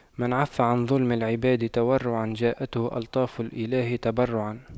من عَفَّ عن ظلم العباد تورعا جاءته ألطاف الإله تبرعا